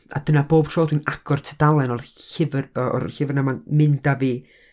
A dyna, bob tro dwi'n agor tudalen o'r llyfr, yy o'r llyfr 'na, mae o'n mynd â fi...